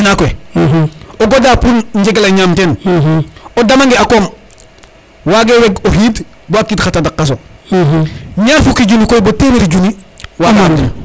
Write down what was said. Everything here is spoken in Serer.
gay naak we o goda pour njegela ñaam ten o dama nge a koom wage weg o xiid bo xa qiid xa dakaq kaso ñaar fuki junni koy bo temeri junni waga rab din